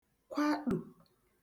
kwaṭù